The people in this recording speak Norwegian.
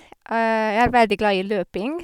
Jeg er veldig glad i løping.